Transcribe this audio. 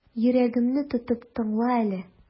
Йөрәгемне тотып тыңла әле.